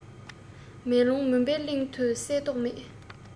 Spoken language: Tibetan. མེ ལོང མུན པའི གླིང དུ གསལ མདོག མེད